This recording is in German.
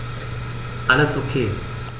Alles OK.